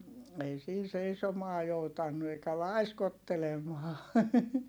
ei siinä seisomaan joutanut eikä laiskottelemaan